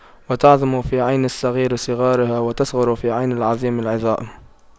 وتعظم في عين الصغير صغارها وتصغر في عين العظيم العظائم